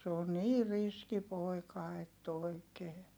se on niin riski poika että oikein